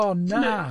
O na!